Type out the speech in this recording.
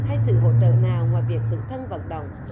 hay sự hỗ trợ nào ngoài việc tự thân vận động